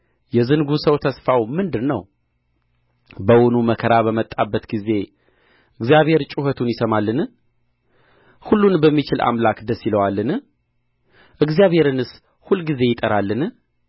የዝንጉ ሰው ተስፋው ምንድር ነው በውኑ መከራ በመጣበት ጊዜ እግዚአብሔር ጩኸቱን ይሰማልን ሁሉንስ በሚችል አምላክ ደስ ይለዋልን እግዚአብሔርንስ ሁልጊዜ ይጠራልን